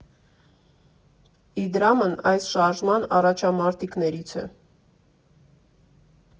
Իդրամն այս շարժման առաջամարտիկներից է։